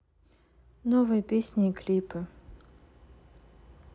новые песни и клипы